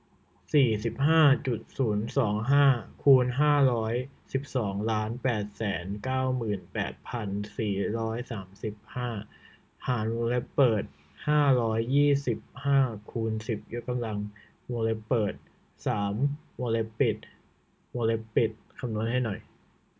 สี่สิบห้าจุดศูนย์สองห้าคูณห้าร้อยสิบสองล้านแปดแสนเก้าหมื่นแปดพันสี่ร้อยสามสิบห้าหารวงเล็บเปิดห้าร้อยยี่สิบห้าคูณสิบยกกำลังวงเล็บเปิดสามวงเล็บปิดวงเล็บปิดคำนวณให้หน่อย